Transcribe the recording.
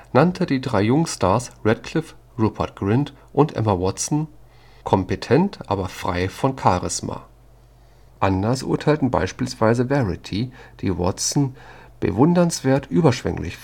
nannte die drei Jungstars Radcliffe, Rupert Grint und Emma Watson kompetent, aber frei von Charisma. Anders urteilten beispielsweise Variety, die Watson bewundernswert überschwänglich